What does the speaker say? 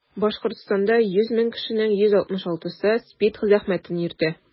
Башкортстанда 100 мең кешенең 166-сы СПИД зәхмәтен йөртә.